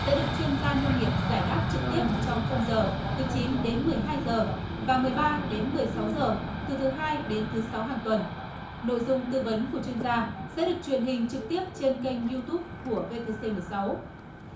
sẽ được chuyên gia nông nghiệp giải đáp trực tiếp trong khung giờ từ chín đến mười hai giờ và mười ba đến mười sáu giờ từ thứ hai đến thứ sáu hàng tuần nội dung tư vấn của chuyên gia sẽ được truyền hình trực tiếp trên kênh diu túp của vê tê xê mười sáu